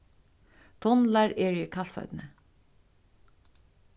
tunlar eru í kalsoynni